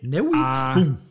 Newydd... a. ...sbon!